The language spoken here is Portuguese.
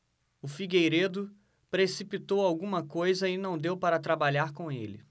o figueiredo precipitou alguma coisa e não deu para trabalhar com ele